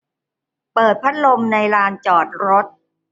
เปิดพัดลมในลานจอดรถ